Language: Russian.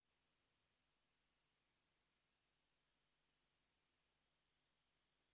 элла австралия